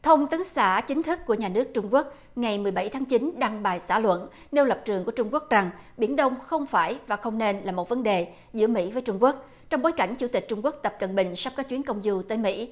thông tấn xã chính thức của nhà nước trung quốc ngày mười bảy tháng chín đăng bài xã luận nêu lập trường của trung quốc rằng biển đông không phải và không nên là một vấn đề giữa mỹ với trung quốc trong bối cảnh chủ tịch trung quốc tập cận bình sắp có chuyến công du tới mỹ